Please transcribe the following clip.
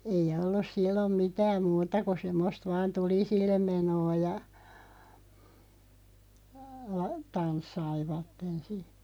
ei ollut silloin mitään muuta kuin semmoista vain tulisille menoa ja tanssivat sitten